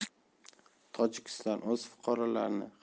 tojikiston o'z fuqarolarini